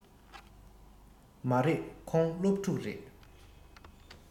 མ རེད ཁོང སློབ ཕྲུག རེད